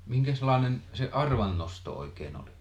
minkäslainen se arvannosto oikein oli